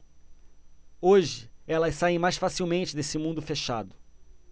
hoje elas saem mais facilmente desse mundo fechado